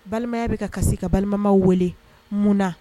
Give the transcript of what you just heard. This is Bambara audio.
Balimaya bɛ ka kasi ka balima maaw welee mun na?